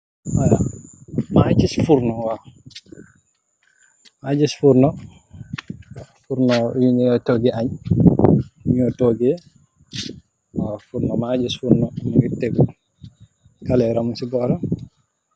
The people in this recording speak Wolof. Mage giss furrno waw mag giss furrno , furrno yun de tooge anj yanu tooge waw furrno mage giss furrno muge tegou kalera mug se boram.